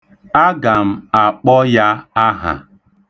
Aga m akpọ ya aha.